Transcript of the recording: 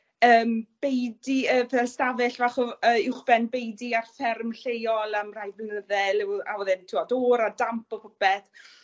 yym beudy yy fel stafell fach o yy uwchben beudy ar fferm lleol am rhai flynydde le- o- a odd e'n t'od o'r a damp a popeth.